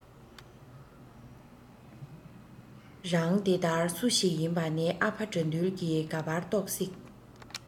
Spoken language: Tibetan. རང དེ དར སོ ཞིག ཡིན པ ནི ཨ ཕ དགྲ འདུལ གི ག པར རྟོག སྲིད